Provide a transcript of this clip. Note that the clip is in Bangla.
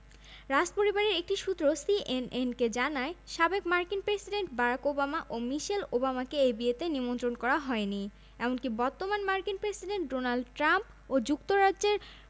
রাজপরিবারের একটি সূত্র সিএনএনকে জানায় সাবেক মার্কিন প্রেসিডেন্ট বারাক ওবামা ও মিশেল ওবামাকে এই বিয়েতে নিমন্ত্রণ করা হয়নি এমনকি বর্তমান মার্কিন প্রেসিডেন্ট ডোনাল্ড ট্রাম্প ও যুক্তরাজ্যের